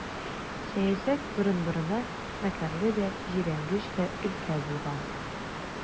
Сәясәт борын-борыннан мәкерле дә, җирәнгеч тә өлкә булган.